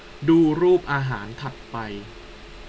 ดูรูปอาหารถัดไป